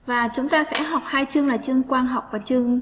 và chúng ta sẽ học chương là chương quang học và chương